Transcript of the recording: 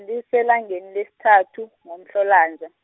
liselangeni lesithathu, ngoMhlolanja.